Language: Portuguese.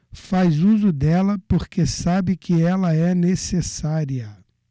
faz uso dela porque sabe que ela é necessária